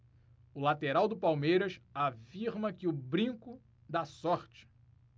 o lateral do palmeiras afirma que o brinco dá sorte